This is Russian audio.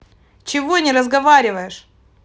чего не разговариваешь